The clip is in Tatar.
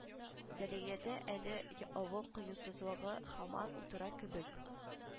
Зәлиядә әле авыл кыюсызлыгы һаман утыра кебек